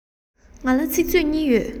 ང ལ ཚིག མཛོད གཉིས ཡོད